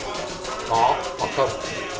có hoặc không